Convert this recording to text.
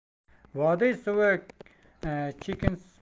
vodiy suvi kechiksiz bo'lmas